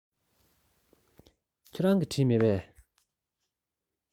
ཁྱེད རང གིས བྲིས མེད པས